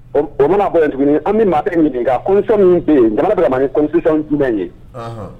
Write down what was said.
Ɔ mana bɔ yen tuguni an bɛ Martin ɲininka, constitution min bɛ yen, jamana bɛ ka mara nin constitution jumɛn ye. Anhan.